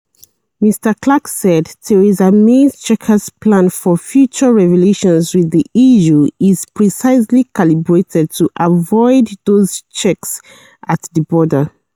Mr Clark said Theresa May's Chequers plan for future relations with the EU is "precisely calibrated to avoid those checks at the border."